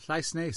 Llais neis.